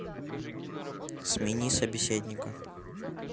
смени собеседника